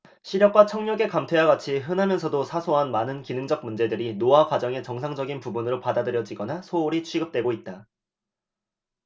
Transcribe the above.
시력과 청력의 감퇴와 같이 흔하면서도 사소한 많은 기능적 문제들이 노화 과정의 정상적인 부분으로 받아들여지거나 소홀히 취급되고 있다